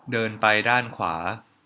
เดินไปด้านขวา